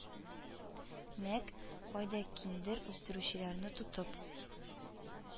Мәк, кайда киндер үстерүчеләрне тотып